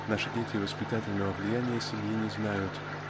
Наши дети воспитательного влияния семьи не знают